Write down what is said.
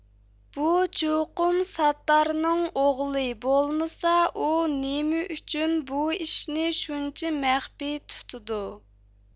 بۇ چوقۇم ساتتارنىڭ ئوغلى بولمىسا ئۇ نېمە ئۈچۈن بۇ ئىشنى شۇنچە مەخپىي تۇتىدۇ